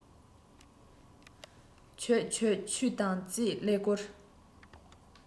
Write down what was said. ཁྱོད ཁྱོད ཁྱོད ང རྩིས ཀླད ཀོར